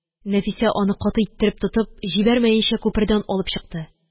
Нәфисә аны каты иттереп тотып, җибәрмәенчә күпердән алып чыкты